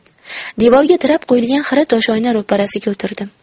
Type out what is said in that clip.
devorga tirab qo'yilgan xira toshoyna ro'parasiga o'tirdim